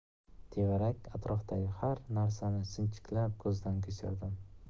tevarak atrofdagi har bir narsani sinchiklab ko'zdan kechirardim